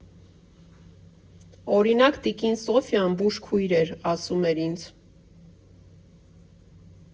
Օրինակ՝ տիկին Սոֆյան, բուժքույր էր, ասում էր ինձ.